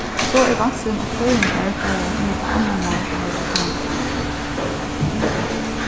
so er vansin at føroyingar fara at nýta annað mál til hesar tænastur